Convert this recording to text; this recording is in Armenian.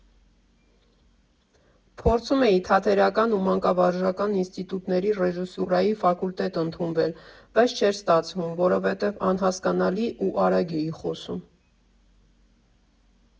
Փորձում էի թատերական ու մանկավարժական ինստիտուտների ռեժիսուրայի ֆակուլտետ ընդունվել, բայց չէր ստացվում, որովհետև անհասկանալի ու արագ էի խոսում։